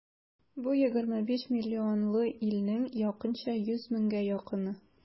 Бу егерме биш миллионлы илнең якынча йөз меңгә якыны.